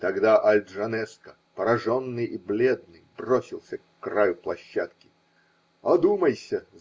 Тогда Аль-Джанеско, пораженный и бледный, бросился к краю площадки. -- Одумайся!